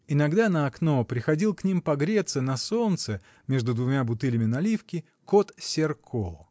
Иногда на окно приходил к ним погреться на солнце, между двумя бутылями наливки, кот Серко